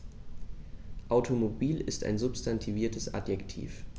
Automobil ist ein substantiviertes Adjektiv.